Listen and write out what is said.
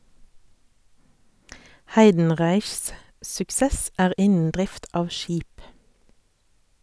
Heidenreichs suksess er innen drift av skip.